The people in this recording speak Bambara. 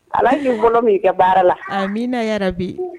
Ala'i bolo min kɛ baara la a amiina yɛrɛ bi